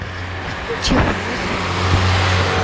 ничего извините